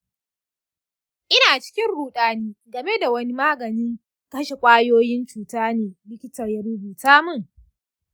ina cikin ruɗani game da wani maganin kashe ƙwayoyin cuta ne likita ya rubuta min.